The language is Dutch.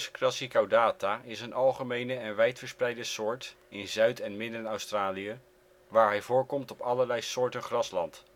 crassicaudata is een algemene en wijdverspreide soort in Zuid - en Midden-Australië, waar hij voorkomt op allerlei soorten grasland